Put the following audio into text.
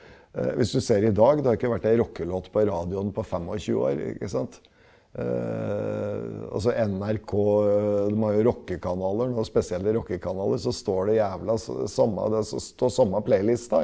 hvis du ser i dag, det har ikke vært ei rockelåt på radioen på 25 år ikke sant, altså NRK dem har jo rockekanaler nå spesielle rockekanaler, så står det jævla samme det som det står samme playlist.